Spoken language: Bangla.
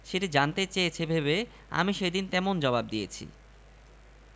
রসআলো ফিচার হতে সংগৃহীত লিখেছেনঃ মুহসিন ইরম প্রকাশের সময়ঃ ৪ সেপ্টেম্বর ২০১৮ সময়ঃ ১২টা